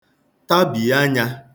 tabì anyā